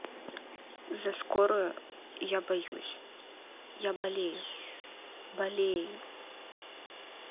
за скорую я боюсь я болею болею